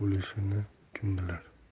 bo'lishini kim bilar